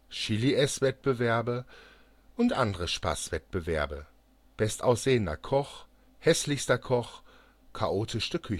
Chili-Esswettbewerbe andere Spaßwettbewerbe (bestaussehender Koch, hässlichster Koch, chaotischste Küche